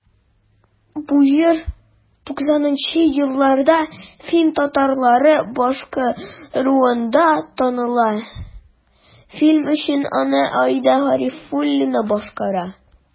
Бу җыр 90 нчы елларда фин татарлары башкаруында таныла, фильм өчен аны Аида Гарифуллина башкара.